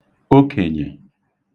okènyè